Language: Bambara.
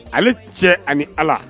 Ale cɛ ani ala